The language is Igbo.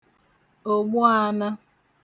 ògbuānə̣̄